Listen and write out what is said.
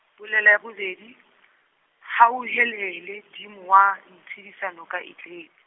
polelo ya bobedi, Hauhelele Dimo wa ntshedisa noka tletse.